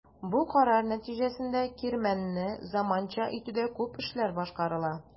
Бу карар нәтиҗәсендә кирмәнне заманча итүдә күп эшләр башкарыла.